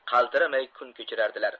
qaltiramay kun kechirardilar